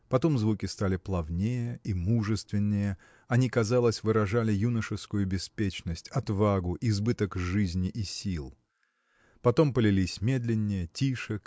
потом звуки стали плавнее и мужественнее они казалось выражали юношескую беспечность отвагу избыток жизни и сил. Потом полились медленнее тише